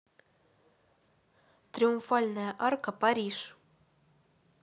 триумфальная арка париж